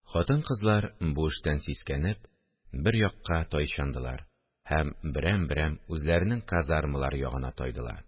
Хатын-кызлар, бу эштән сискәнеп, бер якка тайчандылар һәм берәм-берәм үзләренең казармалары ягына тайдылар